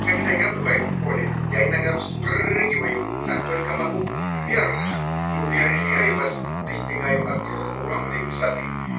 Когда я бываю в поле, я иногда вспрыгиваю, как только могу, вверх и, уверяю вас, достигаю огромной высоты.